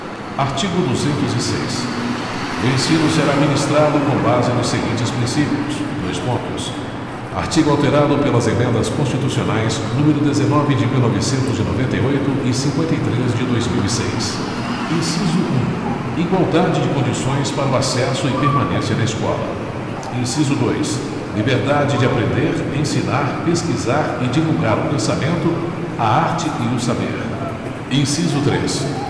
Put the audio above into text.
artigo duzentos e seis o ensino será ministrado com base nos seguintes princípios dois pontos artigo alterado pelas emendas constitucionais número dezenove de mil novecentos e noventa e oito e cinquenta e três de dois mil e seis inciso um igualdade de condições para o acesso e permanência na escola inciso dois liberdade de aprender ensinar pesquisar e divulgar o pensamento a arte e o saber inciso três